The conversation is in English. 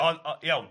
Ond o, iawn.